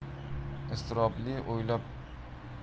iztirobli o'ylar tuni bilan